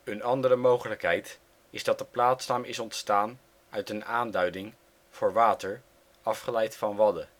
Een andere mogelijkheid is dat de plaatsnaam is ontstaan uit een aanduiding voor water, afgeleid van ' wadde